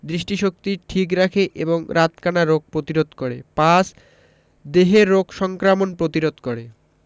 দৃষ্টিশক্তি ঠিক রাখে এবং রাতকানা রোগ প্রতিরোধ করে ৫. দেহে রোগ সংক্রমণ প্রতিরোধ করে